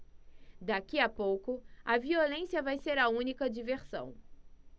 daqui a pouco a violência vai ser a única diversão